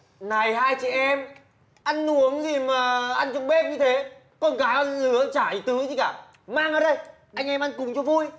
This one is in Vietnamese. này hai chị em ăn uống gì mà ăn trong bếp như thế con gái con lứa chả ý tứ gì cả mang ra đây anh em ăn cùng cho vui